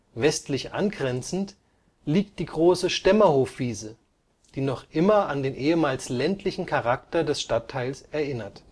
Westlich angrenzend liegt die große Stemmerhofwiese, die noch immer an den ehemals ländlichen Charakter des Stadtteils erinnert